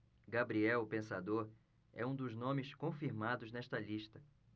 gabriel o pensador é um dos nomes confirmados nesta lista